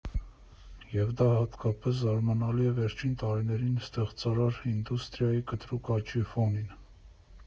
Եվ դա հատկապես զարմանալի է վերջին տարիներին ստեղծարար ինդուստրիայի կտրուկ աճի ֆոնին։